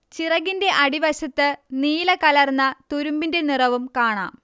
ചിറകിന്റെ അടിവശത്ത് നീലകലർന്ന തുരുമ്പിന്റെ നിറവും കാണാം